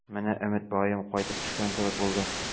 Менә Өметбаем кайтып төшкән кебек булды.